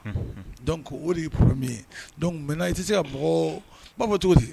C ko o de y'i min ye bɛna i tɛ se ka mɔgɔ bamananw cogo di